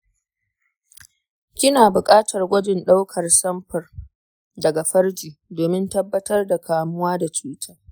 kina buƙatar gwajin ɗaukar samfur daga farji domin tabbatar da kamuwa da cuta.